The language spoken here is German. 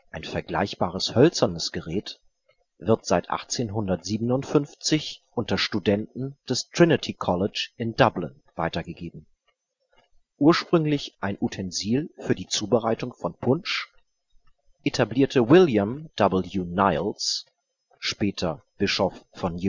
Ein vergleichbares hölzernes Gerät wird seit 1857 unter Studenten des Trinity College in Dublin weitergegeben. Ursprünglich ein Utensil für die Zubereitung von Punsch, etablierte William W. Niles, später Bischof von